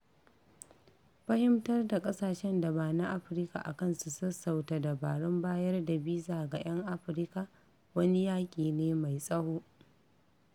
Fahimtar da ƙasashen da ba na Afirka a kan su sassauta dabarun bayar da biza ga 'yan Afirka wani yaƙi ne mai tsaho.